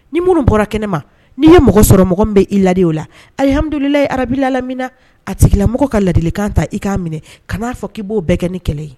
Ni minnu bɔra kɛnɛ ma ni'i ye mɔgɔ sɔrɔmɔgɔ bɛ i ladi o la ahamdulla arabubila lammin na a tigilamɔgɔ ka ladilikan ta i k kana minɛ ka'a fɔ k'i b'o bɛɛ kɛ ni kɛlɛ ye